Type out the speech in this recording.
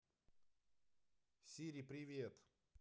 сири привет